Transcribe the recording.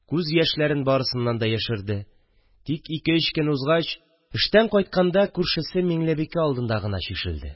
Күз яшьләрен барысыннан да яшерде, тик ике-өч көн узгач, эштән кайтканда күршесе Миңлебикә алдында гына чишелде